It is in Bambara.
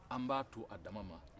an b'a tɔ a dama ma